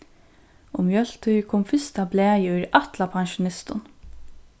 um jóltíðir kom fyrsta blaðið ið er ætlað pensjonistum